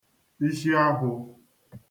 ishi akwụ̄